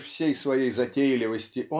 при всей своей затейливости